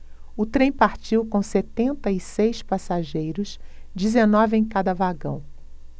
o trem partiu com setenta e seis passageiros dezenove em cada vagão